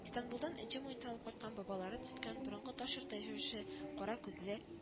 Истанбулдан энҗе муенса алып кайткан бабалары төзеткән борынгы таш йортта яшәүче кара күзле